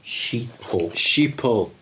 Sheeple... Sheeple.